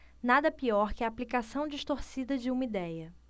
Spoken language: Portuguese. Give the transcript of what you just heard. nada pior que a aplicação distorcida de uma idéia